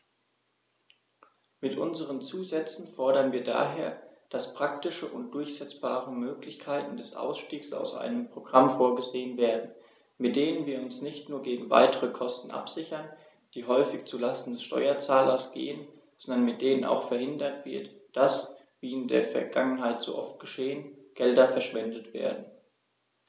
Mit unseren Zusätzen fordern wir daher, dass praktische und durchsetzbare Möglichkeiten des Ausstiegs aus einem Programm vorgesehen werden, mit denen wir uns nicht nur gegen weitere Kosten absichern, die häufig zu Lasten des Steuerzahlers gehen, sondern mit denen auch verhindert wird, dass, wie in der Vergangenheit so oft geschehen, Gelder verschwendet werden.